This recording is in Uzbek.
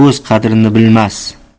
o'z qadrini bilmas